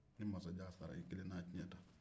ni masajan sara i kelen n'a ciɲɛ ta